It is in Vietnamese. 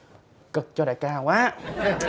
cực cho đại ca quá